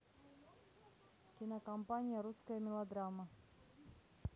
кинокомпания русская мелодрама